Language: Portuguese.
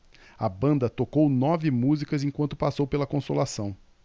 a banda tocou nove músicas enquanto passou pela consolação